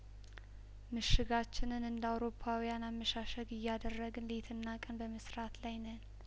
ምሽጋችንን እንደ አውሮፓውያን አመሻሸግ እያደረግን ሌትና ቀን በመስራት ላይ ነን